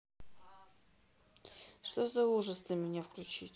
что за ужас ты меня включить